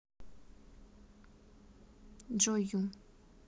джой ю